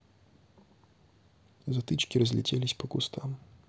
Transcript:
затычки разлетелись по кустам